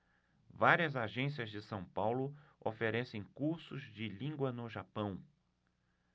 várias agências de são paulo oferecem cursos de língua no japão